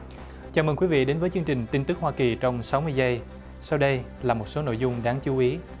chào mừng quý vị đến với chương trình tin tức hoa kỳ trong sáu mươi giây sau đây là một số nội dung đáng chú ý